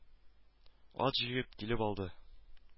Ат җигеп килеп алды